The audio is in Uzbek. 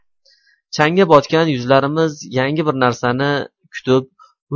changga botgan yuzlarimiz yangi bir narsa kutib